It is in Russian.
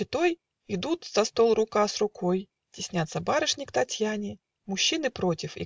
Четой Идут за стол рука с рукой. Теснятся барышни к Татьяне Мужчины против